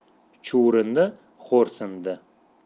chuvrindi xo'rsindi